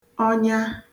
ọnya